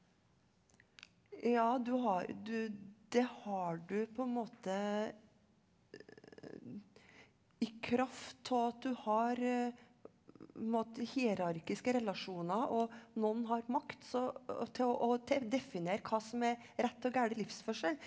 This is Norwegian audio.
ja du har du det har du på en måte i kraft av at du har hierarkiske relasjoner og noen har makt så å til å til å definere hva som er rett og gal livsførsel.